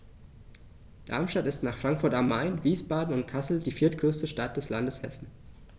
Darmstadt ist nach Frankfurt am Main, Wiesbaden und Kassel die viertgrößte Stadt des Landes Hessen